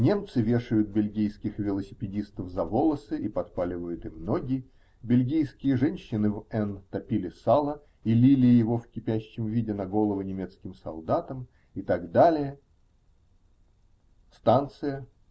Немцы вешают бельгийских велосипедистов за волосы и подпаливают им ноги, бельгийские женщины в Н. топили сало и лили его в кипящем виде на головы немецким солдатам, и так далее. Станция.